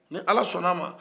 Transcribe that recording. ni ala sɔnn'a man